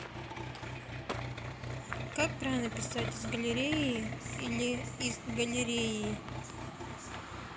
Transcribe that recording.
как правильно писать из галереи или из галереи